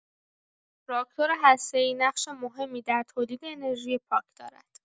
راکتور هسته‌ای نقش مهمی در تولید انرژی پاک دارد.